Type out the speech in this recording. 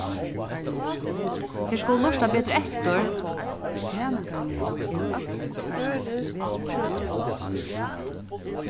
tær skulu lurta betur eftir